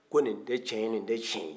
ko nin tiɲɛ ye nin tɛ tiɲɛ ye